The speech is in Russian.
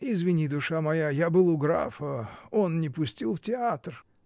Извини, душа моя, я был у графа: он не пустил в театр.